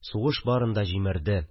Сугыш барын да җимерде